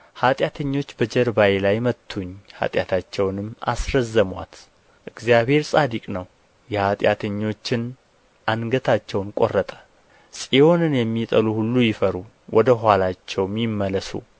ኃጢአተኞች በጀርባዬ ላይ መቱኝ ኃጢአታቸውንም አስረዘሙአት እግዚአብሔር ጻድቅ ነው የኃጢአተኞችን አንገታቸውን ቈረጠ ጽዮንን የሚጠሉ ሁሉ ይፈሩ ወደ ኋላቸውም ይመለሱ